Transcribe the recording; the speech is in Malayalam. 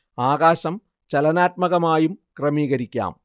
ആകാശം ചലനാത്മകമായും ക്രമീകരിക്കാം